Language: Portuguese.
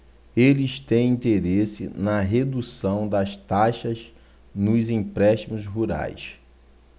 eles têm interesse na redução das taxas nos empréstimos rurais